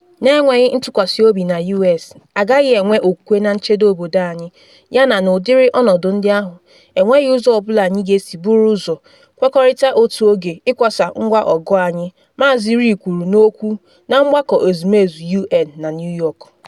“Na enweghị ntụkwasị obi na US, agaghị enwe okwukwe na nchedo obodo anyị yana n’ụdịrị ọnọdụ ndị ahụ, enweghị ụzọ ọ bụla anyị ga-esi bụrụ ụzọ kwekọrịta otu oge ịkwasa ngwa ọgụ anyị,” Maazị Ri kwuru n’okwu na Mgbakọ Ezumezu UN na New York.